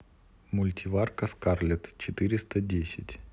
мультиварка скарлетт четыреста десять